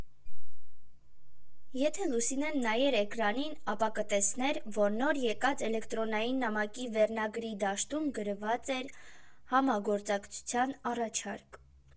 Եթե Լուսինեն նայեր էկրանին, ապա կտեսներ, որ նոր եկած էլեկտրոնային նամակի վերնագրի դաշտում գրված է «Համագործակցության առաջարկ»։